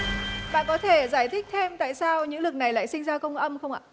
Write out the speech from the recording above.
bạn có thể giải thích thêm tại sao những lực này lại sinh ra công âm không ạ